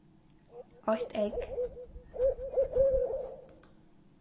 eitt egg